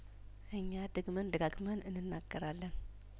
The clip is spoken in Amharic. እኛ ደግመን ደጋግመን እንናገራለን